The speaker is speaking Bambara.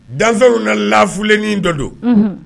Danw nana laffilenin dɔ don